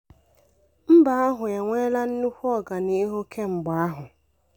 Mba ahụ e nweela nnukwu ọganihu kemgbe ahụ.